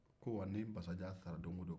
ko wa ni masajan sara don wo don